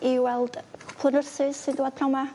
...i weld cwpl o nyrsys syn dwad prawn 'ma.